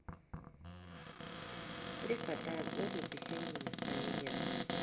три кота сборник весеннего настроения